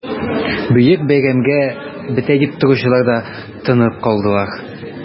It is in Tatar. Бөек бәйрәмгә бетә дип торучылар да тынып калдылар...